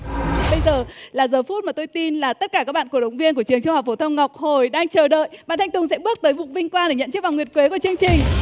bây giờ là giờ phút mà tôi tin là tất cả các bạn cổ động viên của trường trung học phổ thông ngọc hồi đang chờ đợi bạn thanh tùng sẽ bước tới bục vinh quang để nhận chiếc vòng nguyệt quế của chương trình